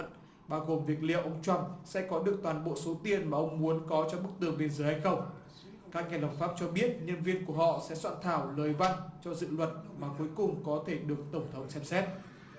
bao gồm việc liệu ông trăm sẽ có được toàn bộ số tiền mà ông muốn có cho bức tường biên giới hay không các nhà lập pháp cho biết nhân viên của họ sẽ soạn thảo lời văn cho dự luật mà cuối cùng có thể được tổng thống xem xét